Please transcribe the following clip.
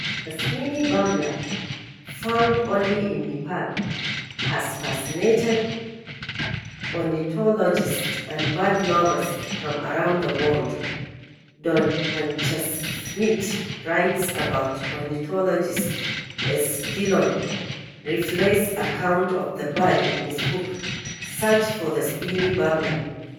The Spiny Babbler, found only in Nepal, has fascinated ornithologists and bird lovers from around the world. Don Messerschmidt writes about ornithologist S. Dillon Ripley’s account of the bird in his book Search for the Spiny Babbler: